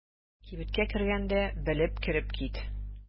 Кибеткә кергәндә белеп кереп кит.